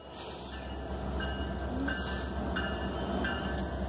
нет там